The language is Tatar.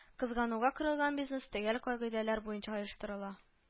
Кызгануга корылган бизнес төгәл кагыйдәләр буенча оештырыла